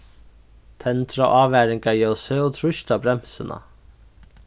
tendra ávaringarljósið og trýst á bremsuna